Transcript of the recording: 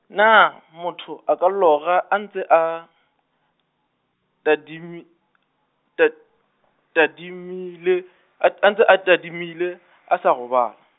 na motho, a ka lora, a ntse a, tadimi- , ta-, tadimile, a ntse a tadimile, a sa robala?